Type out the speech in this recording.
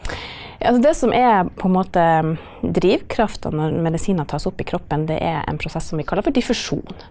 altså det som er på en måte drivkrafta når medisiner tas opp i kroppen det er en prosess som vi kaller for diffusjon.